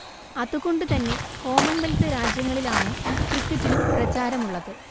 അതുകൊണ്ടുതന്നെ കോമൺവെൽത്ത് രാജ്യങ്ങളിലാണ് ക്രിക്കറ്റിനു പ്രചാരമുള്ളത്